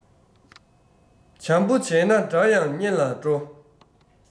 བྱམས པོ བྱས ན དགྲ ཡང གཉེན ལ འགྲོ